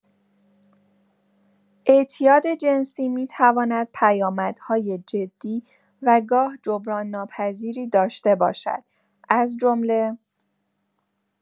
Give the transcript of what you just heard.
اعتیاد جنسی می‌تواند پیامدهای جدی و گاه جبران‌ناپذیری داشته باشد، از جمله: